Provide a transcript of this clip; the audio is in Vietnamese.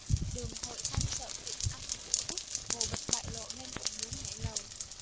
đường hội thanh sợ chuyện ăn của đút bồ bịch bại lộ nên cũng muốn nhảy lầu